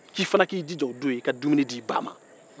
k'i fana k'i jija o don i ka dumuni di i ba ma